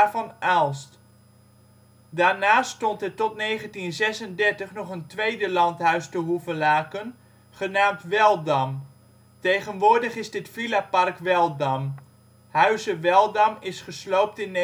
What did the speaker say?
van Aalst. Daarnaast stond er tot 1936 nog een tweede landhuis te Hoevelaken genaamd Weldam; tegenwoordig is dit villapark Weldam. Huize Weldam is gesloopt in